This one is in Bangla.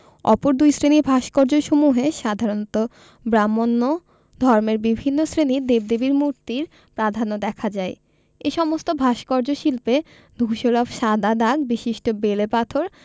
অপর দুই শ্রেণীর ভাস্কর্যসমূহে সাধারণত ব্রাক্ষ্মণ্য ধর্মের বিভিন্ন শ্রেণির দেব দেবীর মূর্তির প্রাধান্য দেখা যায় এ সমস্ত ভাস্কর্য শিল্পে ধূসরাভ সাদা দাগ বিশিষ্ট বেলে পাথর